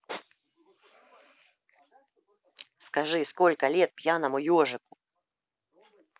скажи сколько лет пьяному ежику